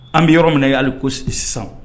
An bɛ yɔrɔ min ye hali ko sisan